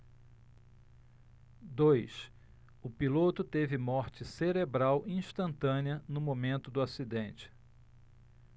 dois o piloto teve morte cerebral instantânea no momento do acidente